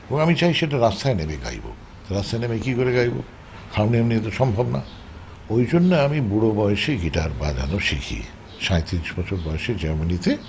আমি চাই সেটা রাস্তায় নেমে গাইবো রাস্তায় নেমে কি করে গাইবো হারমোনিয়াম নিয়ে তো সম্ভব না ওই জন্য আমি বুড়ো বয়সে গিটার বাজানো শিখি ৩৭ বছর বয়সে জার্মানিতে